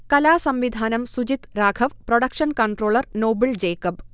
കലാസംവിധാനം Sujith Raghav, production controller Noble Jacob